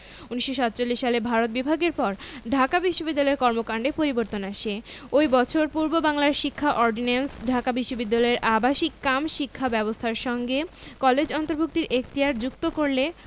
১৯৪৭ সালে ভারত বিভাগের পর ঢাকা বিশ্ববিদ্যালয়ের কর্মকান্ডে পরিবর্তন আসে ওই বছর পূর্ববাংলার শিক্ষা অর্ডিন্যান্স ঢাকা বিশ্ববিদ্যালয়ের আবাসিক কাম শিক্ষা ব্যবস্থার সঙ্গে কলেজ অন্তরভুক্তির এখতিয়ার যুক্ত করলে